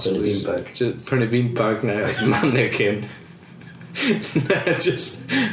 Prynu beanbag... jyst prynu beanbag neu mannequin. Neu jyst...